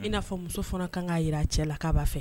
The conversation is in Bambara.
I n'a fɔ muso fana kan'a jira cɛ la k'a'a fɛ